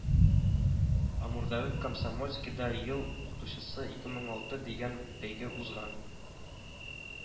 Амурдагы Комсомольскида Ел укытучысы ике мең алты дигән бәйге узган